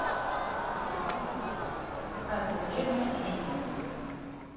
катя вредно или нет